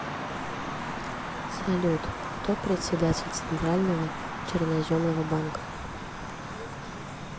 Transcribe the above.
салют кто председатель центрально черноземного банка